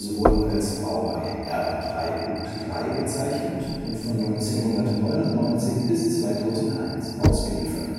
wurden als Baureihe R 3.3 bezeichnet und von 1999 bis 2001 ausgeliefert